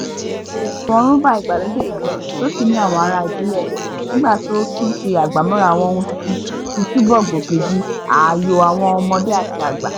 Àwọn Rhumba ìgbàlódé yìí tí ó sì ní àwọn ará ìbílẹ̀ rẹ̀ nígbàtí ó tún ṣe àgbàmọ́ra àwọn ohùn tuntun tí túbọ̀ gòkè di ààyò àwọn ọmọdé àti àgbà.